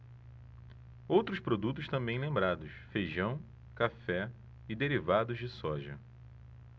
outros produtos também lembrados feijão café e derivados de soja